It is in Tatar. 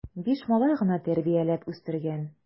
Биш малай гына тәрбияләп үстергән!